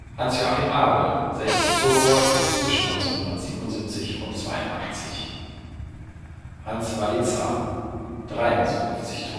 Hans-Joachim Abel, 60 Tore (1977 – 82) Hans Walitza, 53 (1971 –